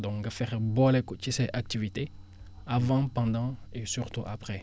donc nga fexe boole ko ci say activités avant pendant et surtout après